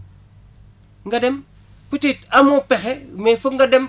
nga dem peut être amoo pexe mais foog nga dem